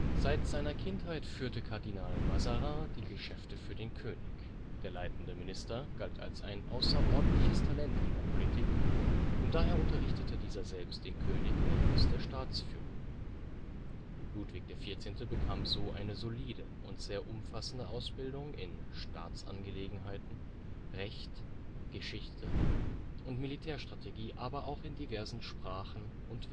Seit seiner Kindheit führte Kardinal Mazarin die Geschäfte für den König, der Leitende Minister galt als ein außerordentliches Talent in der Politik und daher unterrichtete dieser selbst den König in der Kunst der Staatsführung. Ludwig XIV. bekam so eine solide und sehr umfassende Ausbildung in Staatsangelegenheiten, Recht, Geschichte und Militärstrategie, aber auch in diversen Sprachen und